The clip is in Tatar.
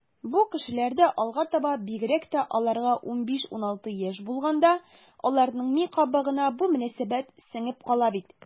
Бу кешеләрдә алга таба, бигрәк тә аларга 15-16 яшь булганда, аларның ми кабыгына бу мөнәсәбәт сеңеп кала бит.